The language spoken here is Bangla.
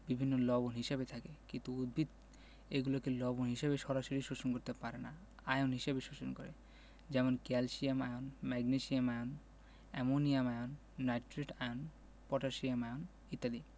বিভিন্ন লবণ হিসেবে থাকে কিন্তু উদ্ভিদ এগুলোকে লবণ হিসেবে সরাসরি শোষণ করতে পারে না আয়ন হিসেবে শোষণ করে যেমন calcium ion magnesium ion ammonium ion nitrate ion potassium ion ইত্যাদি